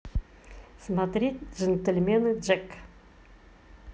смотреть джентльмен джек